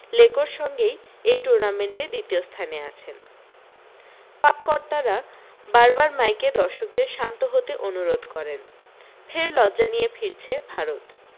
লেকোর সঙ্গেই এই টুর্নামেন্টে দ্বিতীয় স্থানে আছেন পাক কর্তারা বারবার মাইকে দর্শকদের শান্ত হতে অনুরোধ করেন ফের লজ্জা নিয়ে ফিরছে ভারত